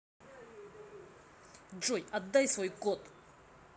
джой отдай свой код